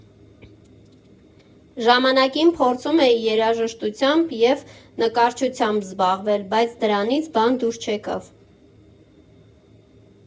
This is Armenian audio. Ժամանակին փորձում էի երաժշտությամբ ու նկարչությամբ զբաղվել, բայց դրանից բան դուրս չեկավ։